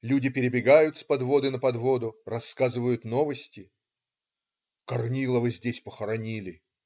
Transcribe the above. Люди перебегают с подводы на подводу, рассказывают новости. "Корнилова здесь похоронили".